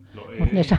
no ei